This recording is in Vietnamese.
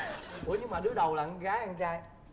ủa nhưng mà đứa đầu là con gái hay con trai